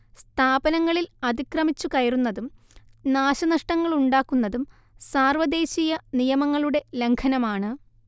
സ്ഥാപനങ്ങളിൽ അതിക്രമിച്ചുകയറുന്നതും നാശനഷ്ടങ്ങളുണ്ടാക്കുന്നതും സാർവദേശീയ നിയമങ്ങളുടെ ലംഘനമാണ്